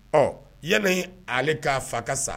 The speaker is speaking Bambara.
Ɔ yan in ale k'a fa ka sa